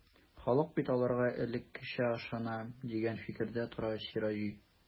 Халык бит аларга элеккечә ышана, дигән фикердә тора Сираҗи.